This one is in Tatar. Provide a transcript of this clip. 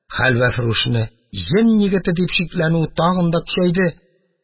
Хәлвәфрүшне җен егете дип шикләнүе тагын да көчәйде.